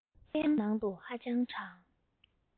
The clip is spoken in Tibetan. ཁང པའི ནང དུ ཧ ཅང གྲང